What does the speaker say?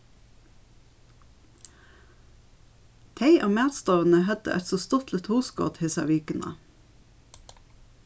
tey á matstovuni høvdu eitt so stuttligt hugskot hesa vikuna